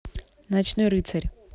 ночной рыцарь